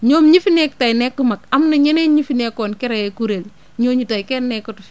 ñoom ñi fi nekk tey nekk mag am na ñeneen ñu fi nekkoon créé kuréel ñooñu tey kenn nekkatu fi